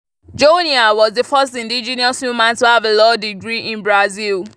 Joenia was the first indigenous woman to have a Law degree in Brazil.